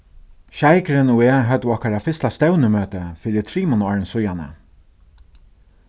sjeikurin og eg høvdu okkara fyrsta stevnumøti fyri trimum árum síðani